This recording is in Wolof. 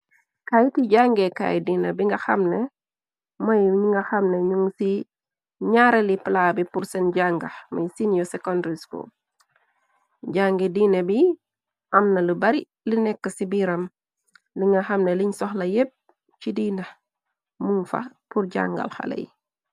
Kaayti jàngeekaay diina bi nga xamne, mooyu ñu nga xamne ñun ci ñaarali pla bi pur seen janga, mey sino secondari skul, jànge diina bi amna lu bari li nekk ci biiram, li nga xamne liñ soxla yépp ci diina, mu fa pur jàngal xale yi.